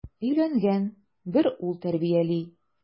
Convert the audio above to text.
Өйләнгән, бер ул тәрбияли.